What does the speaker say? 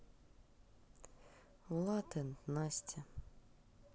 vlad and nasty